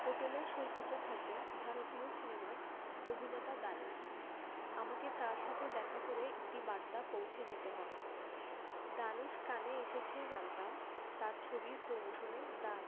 হোটেলের সৈকতে থাকবেন ভারতীয় সিনেমার অভিনেতা ধানুশ আমাকে তার সাথে দেখা করে একটি বার্তা পৌঁছে দিতে হবে ধানুশ কানে এসেছে জানতাম তার ছবির প্রমোশনে দ্য